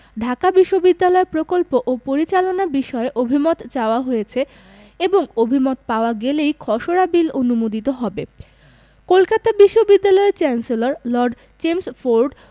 ঢাকা বিশ্ববিদ্যালয় প্রকল্প ও পরিচালনা বিষয়ে অভিমত চাওয়া হয়েছে এবং অভিমত পাওয়া গেলেই খসড়া বিল অনুমোদিত হবে কলকাতা বিশ্ববিদ্যালয়ের চ্যান্সেলর লর্ড চেমস্ফোর্ড